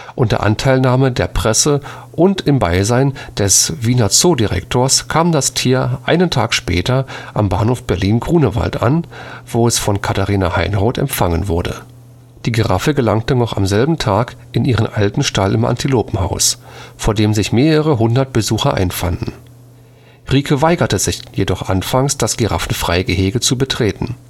Unter Anteilnahme der Presse und im Beisein des Wiener Zoodirektors kam das Tier einen Tag später am Bahnhof Berlin-Grunewald an, wo es von Katharina Heinroth empfangen wurde. Die Giraffe gelangte noch am selben Tag in ihren alten Stall im Antilopenhaus, vor dem sich mehrere hundert Besucher einfanden. Rieke weigerte sich jedoch anfangs, das Giraffenfreigehege zu betreten